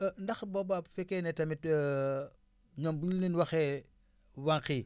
ndax boobaa bu fekkee ni tamit ñoom bu ñu leen waxee wànq yi